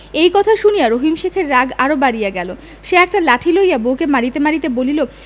এই কথা শুনিয়া রহিম শেখের রাগ আরও বাড়িয়া গেল সে একটা লাঠি লইয়া বউকে মারিতে মারিতে বলিল